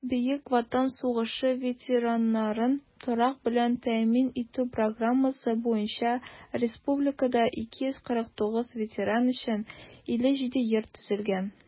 Бөек Ватан сугышы ветераннарын торак белән тәэмин итү программасы буенча республикада 249 ветеран өчен 57 йорт төзелгән.